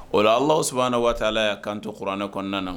O la Alahu subaha wataala y'a kanto kuranɛ kɔnɔna na